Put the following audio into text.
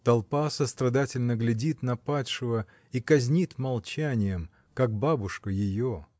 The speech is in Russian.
Толпа сострадательно глядит на падшего и казнит молчанием, как бабушка — ее!